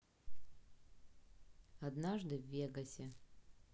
однажды в вегасе